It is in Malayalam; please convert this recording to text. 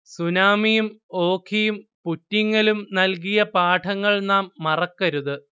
സുനാമിയും, ഓഖിയും, പുറ്റിങ്ങലും നൽകിയ പാഠങ്ങൾ നാം മറക്കരുത്